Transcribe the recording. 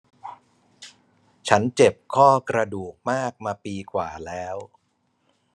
ฉันเจ็บข้อกระดูกมากมาปีกว่าแล้ว